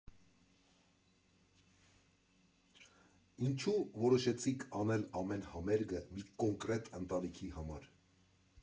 Ինչու՞ որոշեցիք անել ամեն համերգը մի կոնկրետ ընտանիքի համար։